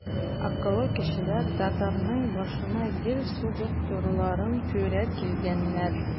Акыллы кешеләр татарның башына гел сугып торуларын күрә килгәннәр.